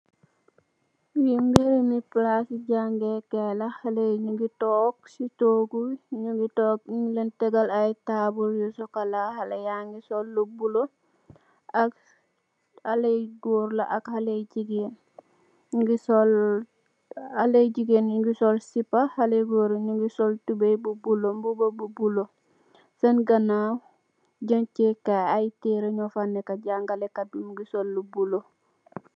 Fii mberebi palasi jàngeekaay la haleh yangi tok ci togu nyungi tok nyung leen tegal ay taabul yu sokola. Haleh yangi sol lu bulo, ak haleh yu goor la ka haleh yu jigeen, haleh jigeen yi nyungi sol sipa, haleh goor yi nyungi sol tubey, mboba bu bulo. Seen ganaw deñche kaay ay tere mufa nekka, jàngalekat bi mungi sol lu bulo.